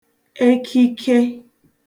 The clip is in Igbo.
ekike